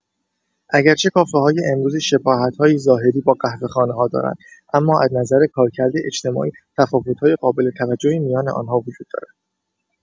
اگرچه کافه‌های امروزی شباهت‌هایی ظاهری با قهوه‌خانه‌ها دارند، اما از نظر کارکرد اجتماعی تفاوت‌های قابل توجهی میان آن‌ها وجود دارد.